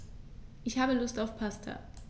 Ich habe Lust auf Pasta.